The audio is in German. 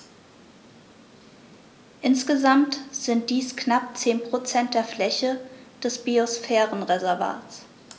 Insgesamt sind dies knapp 10 % der Fläche des Biosphärenreservates.